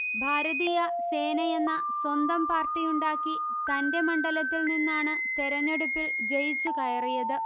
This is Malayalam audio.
ഭാരതീയ സേനയെന്ന സ്വന്തം പാർട്ടിയുണ്ടാക്കി തന്റെ മണ്ഡലത്തിൽ നിന്നാണ് തെരഞ്ഞെടുപ്പിൽ ജയിച്ചുകയറിയത്